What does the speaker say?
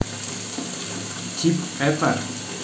тип это